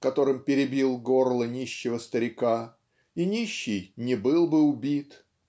которым перебил горло нищего старика и нищий не был бы убит